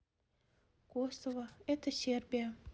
косово это сербия